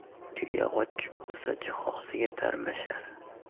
tuya och bo'lsa jihoziga tarmashar